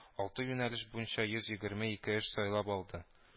Алты юнәлеш буенча йоз егерме ике эш сайлап алды